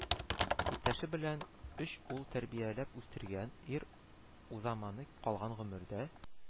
Иптәше белән өч ул тәрбияләп үстергән ир узаманы калган гомердә